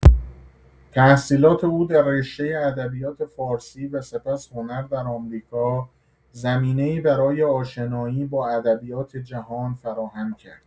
تحصیلات او در رشته ادبیات فارسی و سپس هنر در آمریکا زمینه‌ای برای آشنایی با ادبیات جهان فراهم کرد.